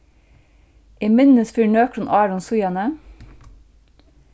eg minnist fyri nøkrum árum síðani